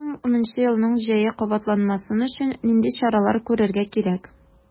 2010 елның җәе кабатланмасын өчен нинди чаралар күрергә кирәк?